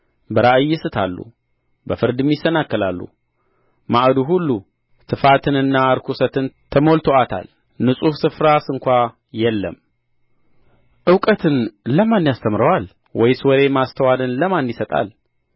በራእይ ይስታሉ በፍርድም ይሰናከላሉ ማዕዱ ሁሉ ትፋትንና ርኵሰትን ተሞልቶአታል ንጹሕ ስፍራ እንኳ የለም እውቀትን ለማን ያስተምረዋል ወይስ ወሬ ማስተዋልን ለማን ይሰጣል